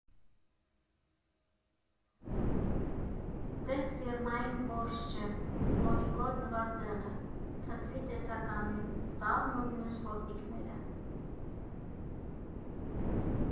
Տե՛ս ֆիրմային բորշչը, լոլիկով ձվածեղը, թթվի տեսականին, սալն ու մյուս խորտիկները։